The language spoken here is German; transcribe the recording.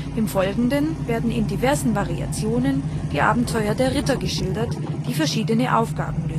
Im Folgenden werden in diversen Variationen die Abenteuer der Ritter geschildert, die verschiedene Aufgaben